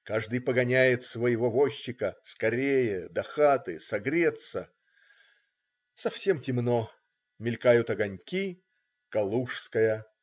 Каждый погоняет своего возчика. скорее. до хаты. согреться. Совсем темно. Мелькают огоньки. Калужская.